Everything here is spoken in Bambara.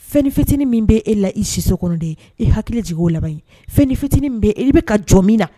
F fitiniinin min' e la i siso kɔnɔ de ye e hakili jigin' o laban f fitinin bɛ e bɛ ka jɔ min na